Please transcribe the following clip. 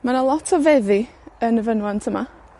mae 'na lot o feddi yn y fynwant yma.